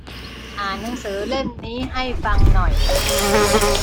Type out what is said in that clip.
อ่านหนังสือเล่มนี้ให้ฟังหน่อย